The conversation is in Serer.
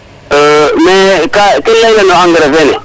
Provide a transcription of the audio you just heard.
Mais ken layna na engrais fene